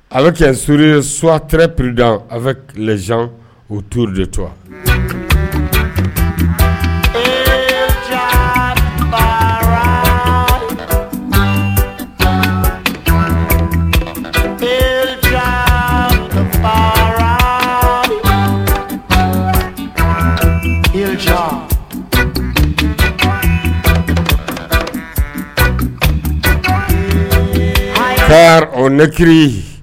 A bɛ kɛur surɛre pererid a bɛ lejan u tu de to neki